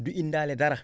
du indaale dara